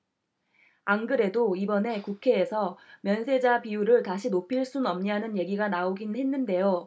안 그래도 이번에 국회에서 면세자 비율을 다시 높일 순 없냐는 얘기가 나오긴 했는데요